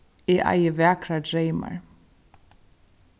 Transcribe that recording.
eg eigi vakrar dreymar